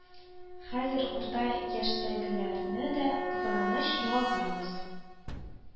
Хәзер урта яшьтәгеләрне дә, кызганыч, югалтабыз